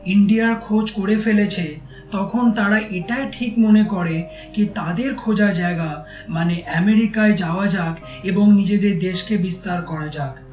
India খোঁজ করে ফেলেছে তখন তারা এটা ঠিক মনে করে যে তাদের খোঁজা জায়গা মানে এমেরিকায় যাওয়া যা এবং নিজেদের দেশকে বিস্তার করা যাক